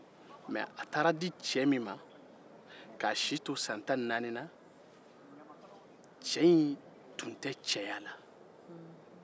mɛ a taara di cɛ min ma k'a si to san tan ni naani na cɛ in tun tɛ cɛya la